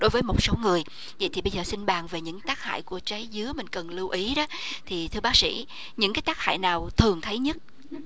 đối với một số người dậy thì bây giờ xin bàn về những tác hại của trái dứa mình cần lưu ý đó thì thưa bác sĩ những cái tác hại nào thường thấy nhất